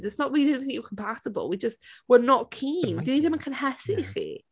It's not that we don't think you're compatible, we're just, we're not keen. Dyn ni ddim yn cynhesu i chi.